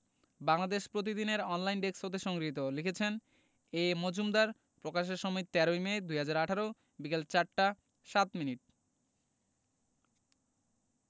বাংলাদেশ প্রতিদিন এর online desk হতে সংগৃহীত লিখেছেনঃ এ মজুমদার প্রকাশের সময় ১৩মে ২০১৮ বিকেল ৪ টা ০৭ মিনিট